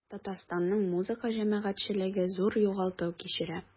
Татарстанның музыка җәмәгатьчелеге зур югалту кичерә.